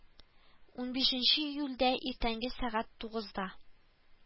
Унбишенче июльдә, иртәнге сәгать тугызда